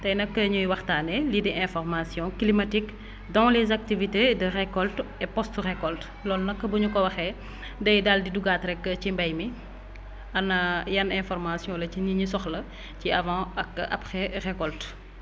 tay nag ñuy waxtaanee lii di information climatique dans les activités de récolte et post récolte loolu nag bu ñu ko waxee day daal di duggaat rekk ci mbay mi ana yan information la ci nit ñi soxla ci avant ak après récolte